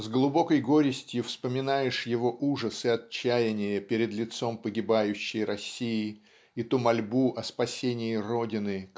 с глубокой горестью вспоминаешь его ужас и отчаяние перед лицом погибающей России и ту мольбу о спасении родины